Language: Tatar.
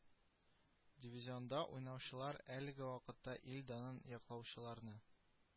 Дивизионда уйнаучылар әлеге вакытта ил данын яклаучыларны